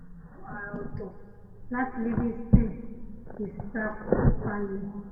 Ìyanu Àrà-ọ̀tọ̀' láti Livingston - ìṣàtúpalẹ̀